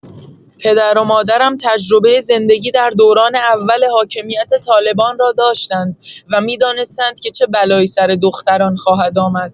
پدر و مادرم تجربه زندگی در دوران اول حاکمیت طالبان را داشتند و می‌دانستند که چه بلایی سر دختران خواهد آمد.